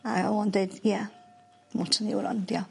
A i- o yn deud ia. *moto niwron 'di o.